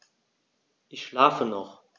Ich schlafe noch.